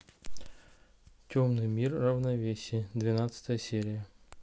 темный мир равновесие двенадцатая серия